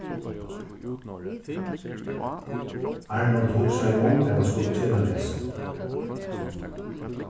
arnold hugsaði um hvat hann skuldi gera næst